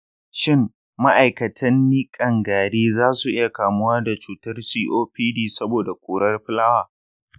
shin ma'aikatan niƙan gari za su iya kamuwa da cutar copd saboda ƙurar fulawa?